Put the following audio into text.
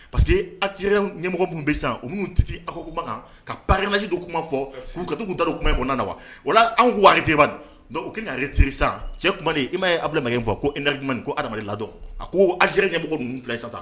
Parce que a ɲɛmɔgɔ minnu bɛ sisan u minnu tɛ kan ka palajdu kuma fɔ k'u ka duta u kuma kɔnɔ na wa wala anw ko waati kuyateba kɛ naarese sa cɛkuma i m ma ye a fɔ ko e ɲuman ko ha adamaladɔn a ko a ɲɛmɔgɔ ninnu fila sisan